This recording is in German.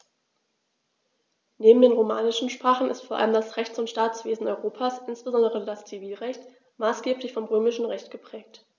Neben den romanischen Sprachen ist vor allem das Rechts- und Staatswesen Europas, insbesondere das Zivilrecht, maßgeblich vom Römischen Recht geprägt.